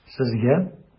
Сезгә?